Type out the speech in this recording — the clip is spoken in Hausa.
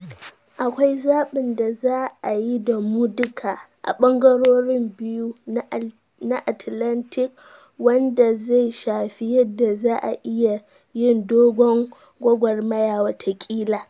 Akwai zaɓin da za a yi da mu duka a bangarorin biyu na Atlantic wanda zai shafi yadda za a iya yin dogon gwagwarmaya wata kila.